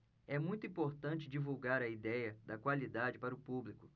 é muito importante divulgar a idéia da qualidade para o público